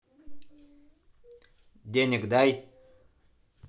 денег дай